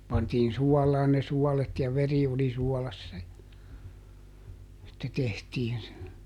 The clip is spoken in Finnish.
pantiin suolaan ne suolet ja veri oli suolassa ja sitten tehtiin se